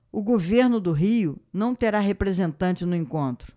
o governo do rio não terá representante no encontro